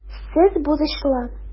Сез бурычлы.